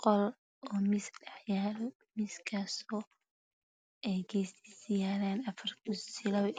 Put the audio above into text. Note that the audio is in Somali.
Qolka oo miis dhexyaalo miiskasoo geesihisa yaalaan afar. kursi labo